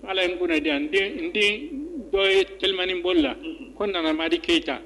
Ala ye n kunadiya n den dɔ ye telimanin boli la ko Nana Madi Keyita.